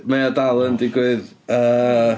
Mae o dal yn digwydd, yy...